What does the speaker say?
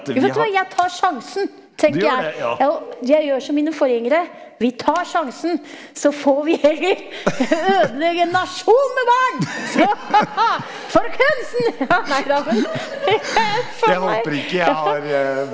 vet du hva jeg tar sjansen tenker jeg, ja og jeg gjør som mine forgjengere vi tar sjansen, så får vi heller ødelegge en nasjon med barn så ha ha for kunsten ja nei da uffa meg ja.